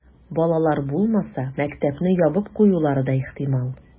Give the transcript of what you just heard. Балалар булмаса, мәктәпне ябып куюлары да ихтимал.